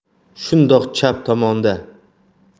shundoq chap tomonda